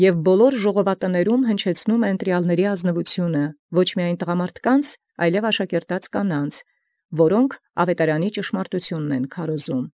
Եւ ամենայն եկեղեցեաւք հնչեցուցանէ զընտրելոցն զազնուականութիւն, ոչ միայն զարանցն, այլև զկանանցն աշակերտելոց, որ զճշմարտութիւնն աւետարանեն։